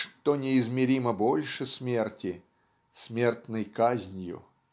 что неизмеримо больше смерти смертной казнью.